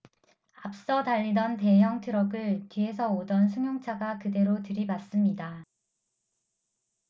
앞서 달리던 대형 트럭을 뒤에서 오던 승용차가 그대로 들이받습니다